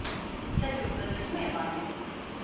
салют позвони моей маме